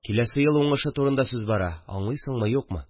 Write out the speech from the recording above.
Киләсе ел уңышы турында сүз бара, аңлыйсыңмы, юкмы